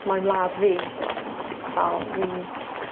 mae'n wlad fi fel fi'n